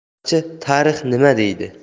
tarixchi tarix nima deydi